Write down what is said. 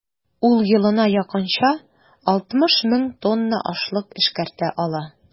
Ул елына якынча 60 мең тонна ашлык эшкәртә ала.